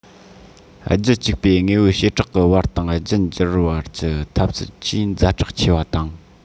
རྒྱུད གཅིག པའི དངོས པོའི བྱེ བྲག གི བར དང རྒྱུད འགྱུར བར གྱི འཐབ རྩོད ཆེས ཛ དྲག ཆེ བ དང